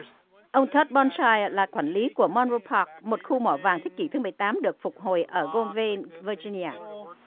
ông thót bon sai là quản lý của môn mo pác một khu mỏ vàng thế kỉ thứ mười tám được phục hồi ở gôm vê vờ dia nhi a